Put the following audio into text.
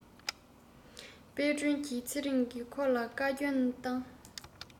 དཔལ སྒྲོན གྱི ཚེ རིང ཁོ ལ བཀའ བསྐྱོན བཏང